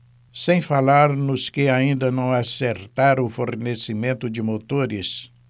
sem falar nos que ainda não acertaram o fornecimento de motores